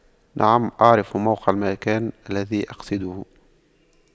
نعم اعرف موقع المكان الذي أقصده